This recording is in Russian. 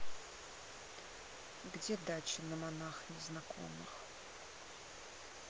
где дачи на монах незнакомых